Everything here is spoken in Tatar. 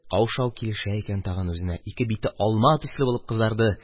Каушау килешә икән тагын үзенә: ике бите алма төсле булып кызарды.